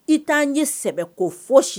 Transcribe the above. I tan ye sɛbɛ ko fɔ si